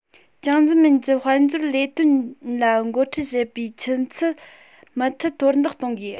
ཅང ཙེ རྨིན གྱི དཔལ འབྱོར ལས དོན ལ འགོ ཁྲིད བྱེད པའི ཆུ ཚད མུ མཐུད མཐོར འདེགས གཏོང དགོས